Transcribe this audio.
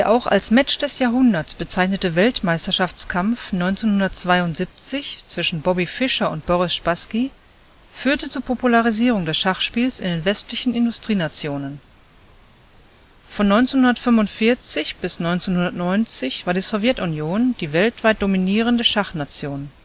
auch als „ Match des Jahrhunderts “bezeichnete Weltmeisterschaftskampf 1972 zwischen Bobby Fischer und Boris Spasski führte zur Popularisierung des Schachspiels in den westlichen Industrienationen. Von 1945 bis 1990 war die Sowjetunion die weltweit dominierende Schachnation